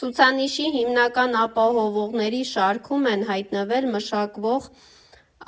Ցուցանիշի հիմնական ապահովողների շարքում են հայտնվել մշակվող